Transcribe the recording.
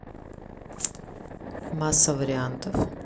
масса вариантов